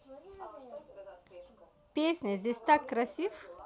песня здесь так красив